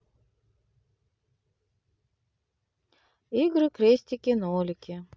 игры крестики нолики